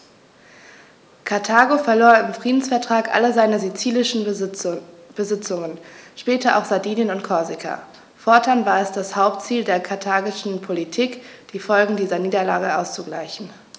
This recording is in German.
Karthago verlor im Friedensvertrag alle seine sizilischen Besitzungen (später auch Sardinien und Korsika); fortan war es das Hauptziel der karthagischen Politik, die Folgen dieser Niederlage auszugleichen.